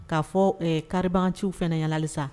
K'a fɔ ɛɛ kaaribaanciw fana ɲana halisa